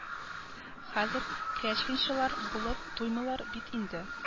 Хәзер клячкинчылар булып тумыйлар бит инде